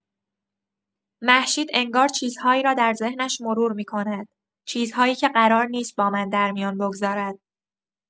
مهشید انگار چیزهایی را در ذهنش مرور می‌کند، چیزهایی که قرار نیست با من در میان بگذارد.